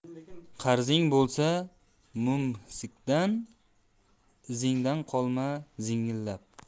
qarzing bo'lsa mumsikdan izingdan qolmas zingillab